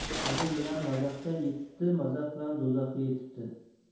hazil bilan mazaxga yetibdi mazax bilan do'zaxga yetibdi